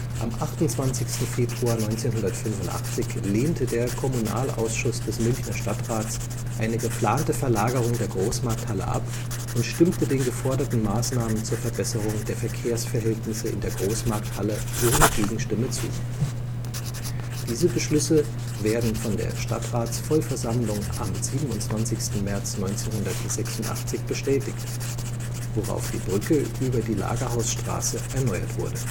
Am 28. Februar 1985 lehnte der Kommunalausschuss des Münchner Stadtrats eine geplante Verlagerung der Großmarkthalle ab und stimmte den geforderten Maßnahmen zur Verbesserung der Verkehrsverhältnisse in der Großmarkthalle ohne Gegenstimme zu. Diese Beschlüsse werden von der Stadtratsvollversammlung am 27. März 1986 bestätigt, worauf die Brücke über die Lagerhausstraße erneuert wurde